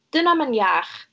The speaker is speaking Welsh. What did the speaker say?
'Di hynna'm yn iach.